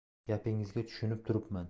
gapingizga tushunib turibman